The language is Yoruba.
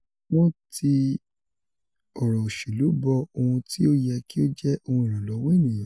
Wọn n ti ọrọ oṣelu bọ ohun ti o yẹ ki o jẹ ohun iranlọwọ eniyan.”